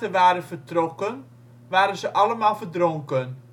waren vertrokken, waren ze allemaal verdronken